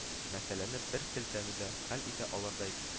Мәсьәләне бер селтәнүдә хәл итә алырдай